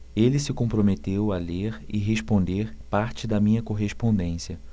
ele se comprometeu a ler e responder parte da minha correspondência